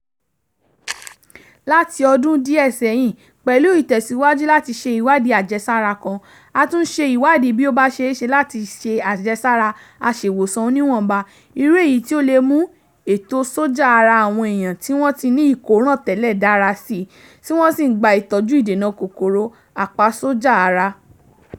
Láti ọdún díẹ̀ sẹ́yìn, pẹ̀lú ìtẹ̀síwájú láti ṣe ìwádìí àjẹsára kan, a tún ń ṣe ìwádìí bí ó bá ṣeéṣe láti ṣe àjẹsára aṣèwòsàn oníwọ̀nǹba, irú èyí tí ó lè mú ètò sójà ara àwọn èèyàn tí wọ́n ti ní ìkóràn tẹ́lẹ̀ dára síi tí wọ́n sì ń gba ìtọ́jú ìdènà kòkòrò apasòjà-ara.